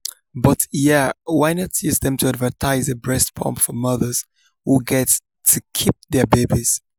But yeah why not use them to advertise a breast pump for mothers who get to keep their babies?"